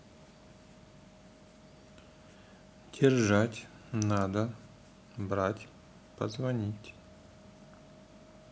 держать надо брать позвонить